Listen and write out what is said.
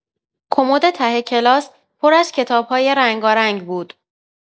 کمد ته کلاس پر از کتاب‌های رنگارنگ بود.